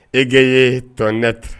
Égayer ton être